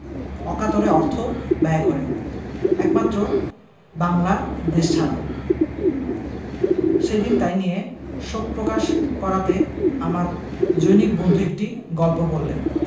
অকাতরে অর্থ ব্যয় করে একমাত্র বাঙলা দেশ ছাড়া সেদিন তাই নিয়ে শোকপ্রকাশ করাতে আমার জনৈক বন্ধু একটি গল্প বললেন